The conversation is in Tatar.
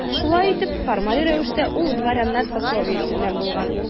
Шулай итеп, формаль рәвештә ул дворяннар сословиесеннән булган.